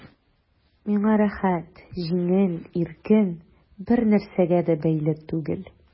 Миңа рәхәт, җиңел, иркен, бернәрсәгә дә бәйле түгел...